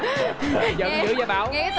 giận dữ dậy bảo